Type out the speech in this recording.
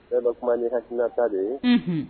Bɛɛ bɛ kuma n'i hakilinata de ye, unhun